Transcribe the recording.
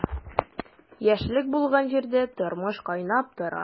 Яшьлек булган җирдә тормыш кайнап тора.